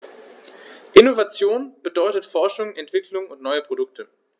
Innovation bedeutet Forschung, Entwicklung und neue Produkte.